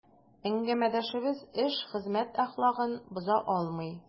Әңгәмәдәшебез эш, хезмәт әхлагын боза алмый.